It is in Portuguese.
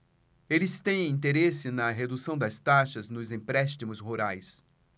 eles têm interesse na redução das taxas nos empréstimos rurais